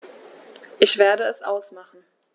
Ich werde es ausmachen